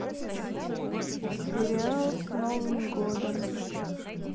сериал с новым годом